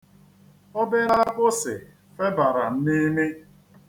Obere agbụsị febara m n'imi.